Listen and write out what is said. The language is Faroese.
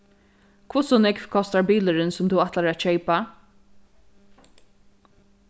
hvussu nógv kostar bilurin sum tú ætlar at keypa